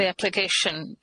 the application.